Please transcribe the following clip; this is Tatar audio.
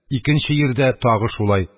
Икенче йирдә тагы шулай.